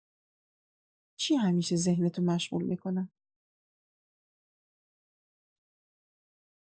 چی همیشه ذهنتو مشغول می‌کنه؟